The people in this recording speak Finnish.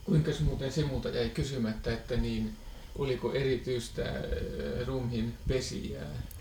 kuinkas muuten se minulta jäi kysymättä että niin oliko erityistä ruumiinpesijää